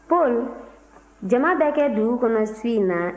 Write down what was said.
paul jama bɛ kɛ dugu kɔnɔ su in na